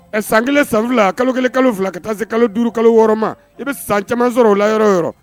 Ɛ san 1 san 2 kalo 1 kalo 2 ka taa se kalo 5 kalo 6 ma i be san caman sɔrɔ o la yɔrɔ yɔrɔ